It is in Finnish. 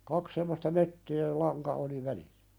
kaksi semmoista möttöä ja lanka oli välissä